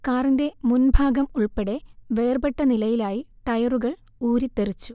കാറിന്റെ മുൻഭാഗം ഉൾപ്പെടെ വേർപെട്ട നിലയിലായി ടയറുകൾ ഊരിത്തെറിച്ചു